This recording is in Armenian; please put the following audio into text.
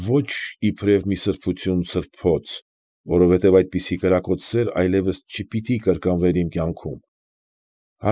Ոչ, իբրև մի սրբություն֊սրբոց, որովհետև այդպիսի կրակոտ սեր այլևս չպիտի կրկնվեր իմ կյանքում։